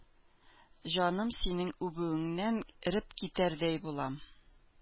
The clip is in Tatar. Җаным, синең үбүеңнән эреп китәрдәй булам.